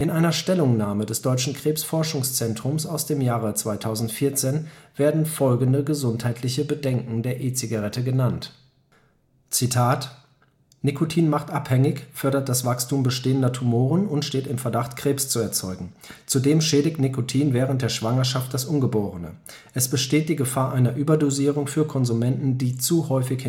einer Stellungnahme des deutschen Krebsforschungszentrums aus dem Jahre 2014 werden folgende gesundheitliche Bedenken der E-Zigaretten genannt: " Nikotin macht abhängig, fördert das Wachstum bestehender Tumoren und steht im Verdacht, Krebs zu erzeugen. Zudem schädigt Nikotin während der Schwangerschaft das Ungeborene. Es besteht die Gefahr einer Überdosierung für Konsumenten, die zu häufig